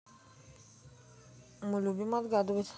мы любим отгадывать